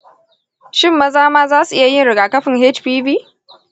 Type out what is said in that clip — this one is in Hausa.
shin maza ma zasu iya yin rigakafin hpv?